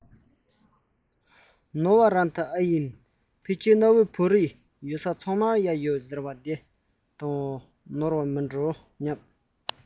ནོར བ རང ད ཨེ ཡིན ཕལ ཆེར གནའ བོའི བོད རིགས ཡོད ས ཚང མར གཡག ཡོད རེད ཟེར བ དེ དང ནོར བ མིན འགྲོ